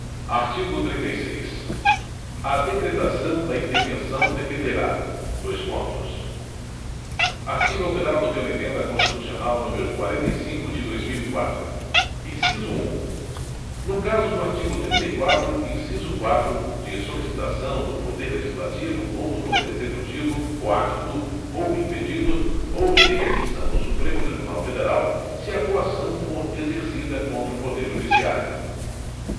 artigo trinta e seis a decretação da intervenção dependerá dois pontos artigo alterado pela emenda constitucional número quarenta e cinco de dois mil e quatro inciso um no caso do artigo trinta e quatro inciso quatro de solicitação do poder legislativo ou do poder executivo coacto ou impedido ou de requisição do supremo tribunal federal se a coação for exercida contra o poder judiciário